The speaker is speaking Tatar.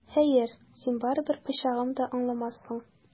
Хәер, син барыбер пычагым да аңламассың!